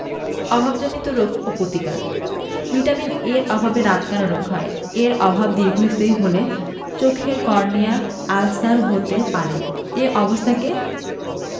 অভাবজনিত রোগ ও পতিকার ভিটামিন এ এর অভাবে রাতকানা রোগ হয় এর অভাব দীর্ঘস্থায়ী হলে চোখের কর্নিয়া আলসার হতে পারে এ অবস্থাকে